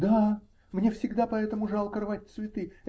-- Да. Мне всегда поэтому жалко рвать цветы.